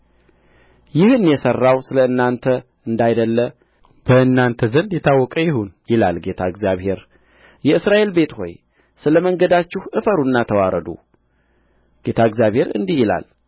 ይህን የሠራሁ ስለ እናንተ እንዳይደለ በእናንተ ዘንድ የታወቀ ይሁን ይላል ጌታ እግዚአብሔር የእስራኤል ቤት ሆይ ስለ መንገዳችሁ እፈሩና ተዋረዱ ጌታ እግዚአብሔር እንዲህ ይላል